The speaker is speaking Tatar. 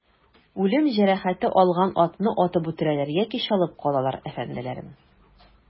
Үлем җәрәхәте алган атны атып үтерәләр яки чалып калалар, әфәнделәрем.